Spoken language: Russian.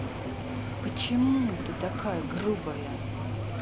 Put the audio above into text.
почему ты такая грубая